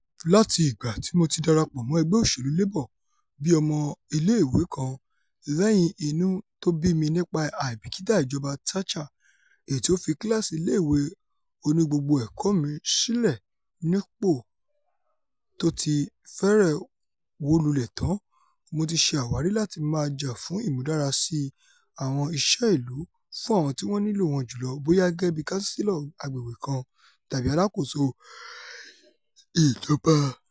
Láti ìgbà tí Mo ti darapọ̀ mọ́ ẹgbẹ́ òṣèlú Labour bí ọmọ ilé ìwé kan, lẹ́yìn inú tó bí mi nípa àìbìkítà ìjọba Thatcher èyití ó fi kíláàsì ilé-ìwé onígbogbo-ẹ̀kọ́ mi sílẹ̀ nípò tóti fẹ́rẹ̀ wólulẹ̀ tán, Mo ti ṣe àwárí láti máa jà fún ìmúdára síi àwọn iṣẹ́ ìlú fún àwọn tí wọ́n nílò wọn jùlọ - bóyá gẹ́gẹ́bí káńsílọ̀ agbègbè kan tàbí aláàkóso ìjọba.